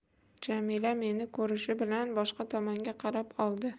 jamila meni ko'rishi bilan boshqa tomonga qarab oldi